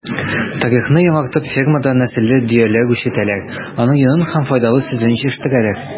Тарихны яңартып фермада нәселле дөяләр үчретәләр, аның йонын һәм файдалы сөтен җитештерәләр.